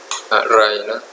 อะไรนะ